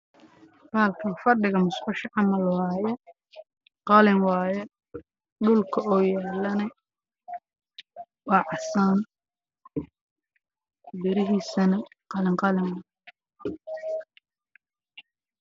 Meeshaan waxaa ka muuqdo bahal u eg fadhiga musqusha